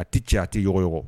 A tɛ cɛ a tɛ yɔrɔɔgɔ